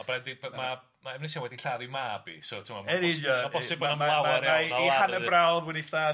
Ond b- b- ma' ma' Efnisien wedi lladd ei mab hi, so ti'bod ma'n bosib ...Mae ei hanner brawd wedi lladd ei mab...